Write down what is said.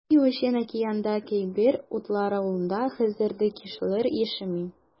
Ни өчен океанда кайбер утрауларда хәзер дә кешеләр яшәми?